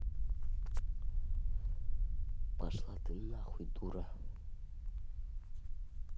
пошла ты нахуй дура